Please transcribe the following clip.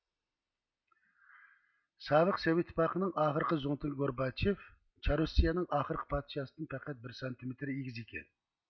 سابىق سوۋېت ئىتتىپاقىنىڭ ئاخىرقى زۇڭتۇڭى گورباچېف چار رۇسىيىنىڭ ئاخىرقى پادىشاھىدىن پەقەت بىر سانتىمېتىر ئېگىز ئىكەن